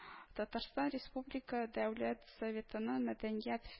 Татарстан Республика Дәүләт Советының Мәдәният